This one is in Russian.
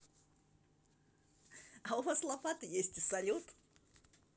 у вас лопата есть и салют